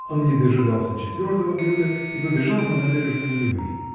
Он не дожидался четвертого блюда и побежал на набережную Невы.